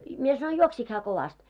minä sanoin juoksiko hän kovasti